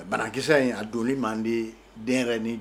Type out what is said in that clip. Barakisɛsa in a don manden den yɛrɛ ni